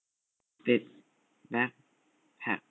ปิดแบคแพ็ค